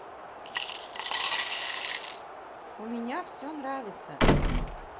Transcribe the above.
у меня все нравится